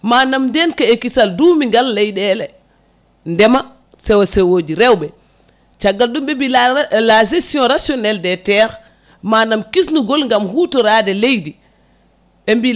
manam denka e kiisal dumigal leyɗele ndeema sewo sewoji rewɓe caggal ɗum ɓe mbi la gestion rationnelle des terres manam kisnugol gaam huutorade leydi